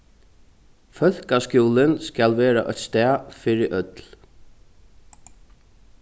fólkaskúlin skal vera eitt stað fyri øll